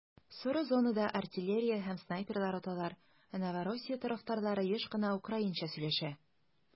Соры зонада артиллерия һәм снайперлар аталар, ә Новороссия тарафтарлары еш кына украинча сөйләшә.